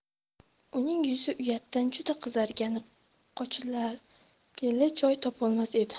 uning yuzi uyatdan juda qizargan qochgali joy topolmas edi